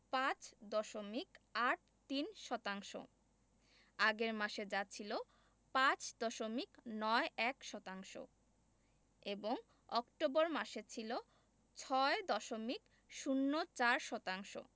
৫ দশমিক ৮৩ শতাংশ আগের মাসে যা ছিল ৫ দশমিক ৯১ শতাংশ এবং অক্টোবর মাসে ছিল ৬ দশমিক ০৪ শতাংশ